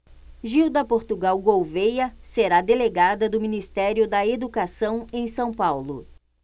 gilda portugal gouvêa será delegada do ministério da educação em são paulo